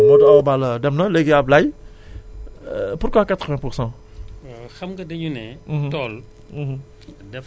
Modou Awa Balla oh Modou Awa Balla dem na léegi Ablaye pourquoi quatre vingt pour cent